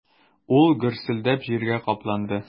Ул гөрселдәп җиргә капланды.